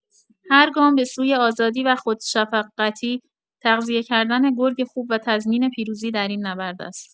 هر گام به‌سوی آزادی و خودشفقتی تغذیه کردن گرگ خوب و تضمین پیروزی دراین نبرد است.